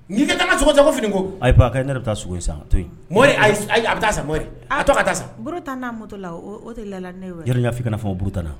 N'i ka taa sogo sago fini ko akari ne bɛ taa sogo san to a bɛ taa sa m a taa n'a mɔtɔ la o tɛ la fi kana fɔ o buru ta la